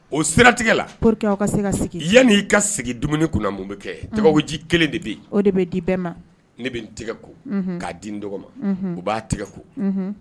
O siratigɛ la pour que aw ka se ka sigi, yani i ka sigi dumuni kunna, mun bɛ kɛ tɛgɛkoji kelen de bɛ yen o de bɛ di bɛɛ ma ne bɛ n tɛgɛ ko k'a di n dɔgɔ ma o b'a tɛgɛ ko, unhun.